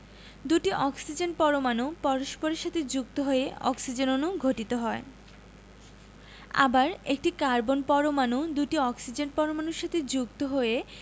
দুটি অক্সিজেন পরমাণু পরস্পরের সাথে যুক্ত হয়ে অক্সিজেন অণু গঠিত হয় আবার একটি কার্বন পরমাণু দুটি অক্সিজেন পরমাণুর সাথে যুক্ত হয়ে